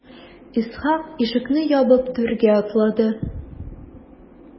Исхак ишекне ябып түргә таба атлады.